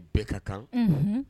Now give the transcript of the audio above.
Bɛɛ ka kan